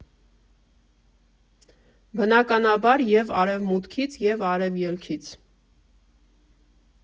Բնականաբար, և Արևմուտքից, և Արևլքից։